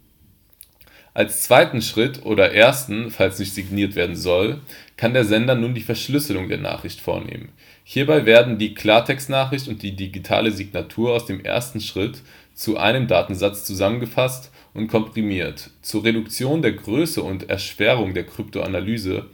Als zweiten Schritt (oder ersten, falls nicht signiert werden soll) kann der Sender nun die Verschlüsselung der Nachricht vornehmen. Hierbei werden die Klartextnachricht und die digitale Signatur aus dem ersten Schritt zu einem Datensatz zusammengefasst und komprimiert, zur Reduktion der Größe und Erschwerung der Kryptoanalyse